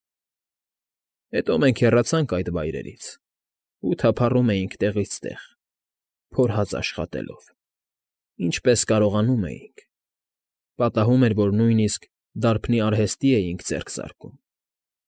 Հետո մենք հեռացանք այդ վայրերից ու թափառում էինք տեղից տեղ՝ փորհաց աշխատելով, ինչպես կարողանում էինք. պատահում էր, որ նույնիսկ դարբնի արհեստի էինք ձեռք զարկում,